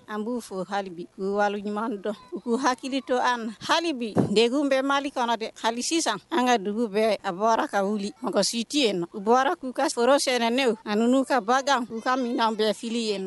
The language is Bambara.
An b'u fɔ halibi bi k'u waleɲumandɔn u k'u hakili to an na hali bi degun bɛ Mali kɔnɔ dɛ, hali sisan an ka dugu bɛɛ a bɔra ka wuli mɔgɔ si tɛ yen u bɔra k'u ka foro sɛnɛnenw ani n'u ka baganw u ka minɛnw bɛɛ fili yen nɔ